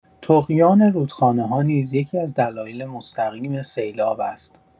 طغیان رودخانه‌ها نیز یکی‌از دلایل مستقیم سیلاب است.